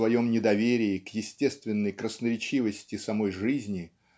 в своем недоверии к естественной красноречивости самой жизни